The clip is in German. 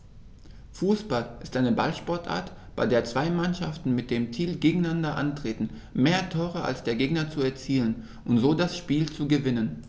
Fußball ist eine Ballsportart, bei der zwei Mannschaften mit dem Ziel gegeneinander antreten, mehr Tore als der Gegner zu erzielen und so das Spiel zu gewinnen.